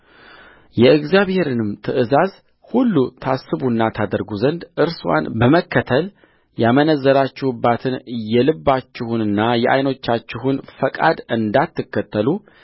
የእግዚአብሔርንም ትእዛዝ ሁሉ ታስቡና ታደርጉ ዘንድ እርስዋን በመከተል ያመነዘራችሁባትን የልባችሁንና የዓይኖቻችሁን ፈቃድ እንዳትከተሉ